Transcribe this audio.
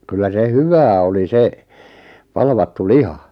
kyllä se hyvää oli se palvattu liha